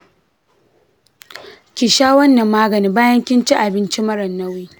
ki sha wannan maganin bayan kin ci abinci mara nauyi.